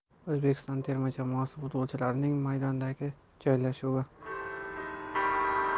o'zbekiston terma jamoasi futbolchilarining maydondagi joylashuvi